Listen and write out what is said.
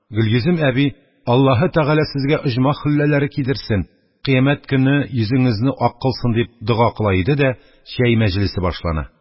Гөлйөзем әби: – Аллаһе Тәгалә сезгә оҗмах хөлләләре кидерсен, кыямәт көне йөзеңезне ак кылсын! – дип дога кыла иде дә, чәй мәҗлесе башлана;